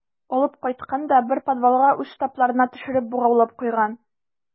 Алып кайткан да бер подвалга үз штабларына төшереп богаулап куйган.